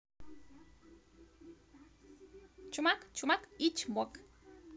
чумак чумак и чмок